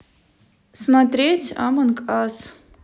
смотреть амонг ас